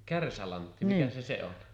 kärsälantti mikä se se on